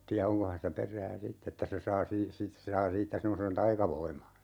tiedä onko hänessä perää sitten että se saa - sitten se saa siitä semmoisen taikavoiman